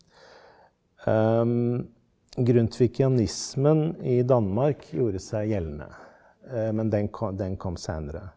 grundtvigianismen i Danmark gjorde seg gjeldende men den den kom seinere.